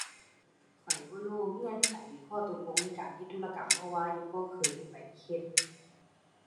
ข้อยบ่รู้เงื่อนไข ข้อตกลงในการเฮ็ดธุรกรรม เพราะว่ายังบ่เคยไปเฮ็ด